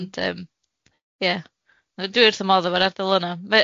Ond yym ia, on- dwi wrth fy modd efo'r ardal yna.